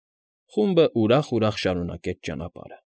Խումբը ուրախ֊ուրախ շարունակեց ճանապարհը։